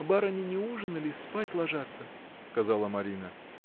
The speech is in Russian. — Барыня не ужинали, спать ложатся, — сказала Марина.